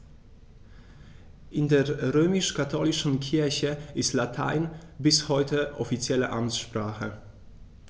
In der römisch-katholischen Kirche ist Latein bis heute offizielle Amtssprache.